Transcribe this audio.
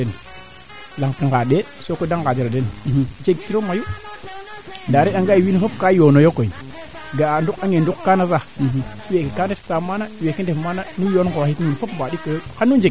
o kiin ka garo gu gar o reta nga bo o mbiñ manaam xaye o gar a nga im gar gar anga o ref yaal saate fee kam gara mewo ley nge a diw de bereb nangam inoorum ndaa kam bugo gen bug xa qol o ndeet zone ne ando naye wo dox uma